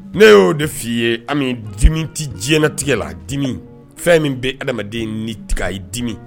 Ne y' oo de f'i ye ami dimi tɛ diɲɛɲɛna tigɛ la dimi fɛn min bɛ adamadamaden ni tigɛ i dimi